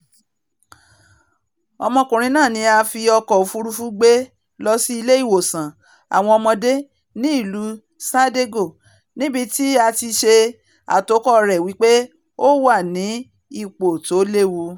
Ọmọkùnrin náà ni a fi ọkọ òfurufú gbé lọ sí Ilé-ìwòsàn Àwọn Ọmọdé ní ìlú San Diego níbití tí a ti ṣe àtòkọ rẹ̀ wípé ó wà ní ipò tó léwu.